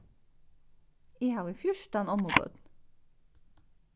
eg havi fjúrtan ommubørn